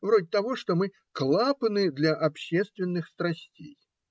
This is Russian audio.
вроде того, что мы - "клапаны для общественных страстей. ".